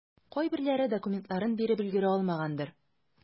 Кайберләре документларын биреп өлгерә алмагандыр.